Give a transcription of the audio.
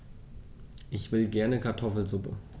Ich will gerne Kartoffelsuppe.